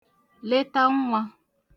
leta nwā